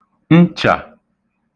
nchà